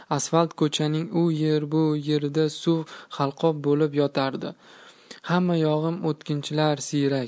asfalt ko'chaning u yer bu yerida suv halqob bo'lib yotardi